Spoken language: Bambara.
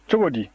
cogo di